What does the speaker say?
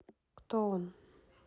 кто он